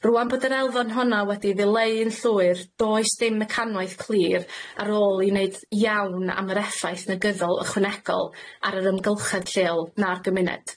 Rŵan bod yr elfen honno wedi ddileu yn llwyr, does dim mecanwaith clir ar ôl i wneud iawn am yr effaith negyddol ychwanegol ar yr amgylchedd lleol na'r gymuned.